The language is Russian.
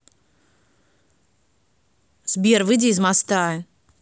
сбер выйди из моста